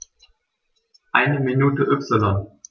Eine Minute Y